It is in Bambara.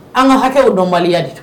An ka hakɛ o dɔnbaliya de